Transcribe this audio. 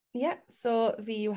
Ie so fi yw...